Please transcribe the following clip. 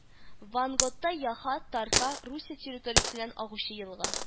Вангота-Яха-Тарка Русия территориясеннән агучы елга